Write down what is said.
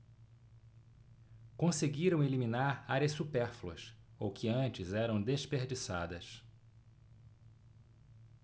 conseguiram eliminar áreas supérfluas ou que antes eram desperdiçadas